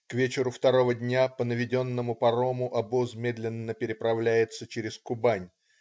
К вечеру второго дня, по наведенному парому, обоз медленно переправляется через Кубань.